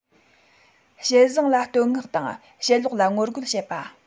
བྱེད བཟང ལ བསྟོད བསྔགས དང བྱེད ལོག ལ ངོ རྒོལ བྱེད པ